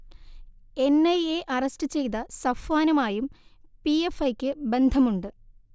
N I A arrest ചെയ്ത സഫ്വാനുമായും P F I ക്ക് ബന്ധമുണ്ട്